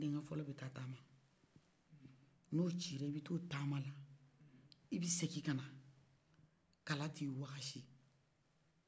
ni den kɛ fɔlɔ bɛ ta tama n'o cila i bɛ ta o tamana i bɛ segi kana kala te wakashi